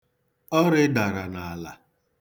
Ọ rịdara n'ala.